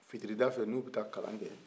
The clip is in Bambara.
fitirida fɛ n'u bɛ taa kalan kɛ